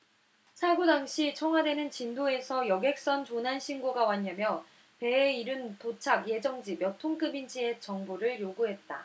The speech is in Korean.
사고 당시 청와대는 진도에서 여객선 조난신고가 왔냐며 배의 이름 도착 예정지 몇 톤 급인지에 정보를 요구했다